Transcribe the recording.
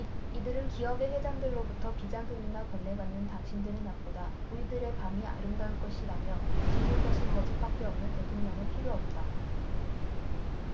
이들은 기업의 회장들로부터 비자금이나 건네받는 당신들의 낮보다 우리들의 밤이 아름다울 것이라며 지킬 것이 거짓밖에 없는 대통령은 필요 없다